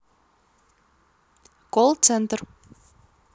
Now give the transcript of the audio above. call центр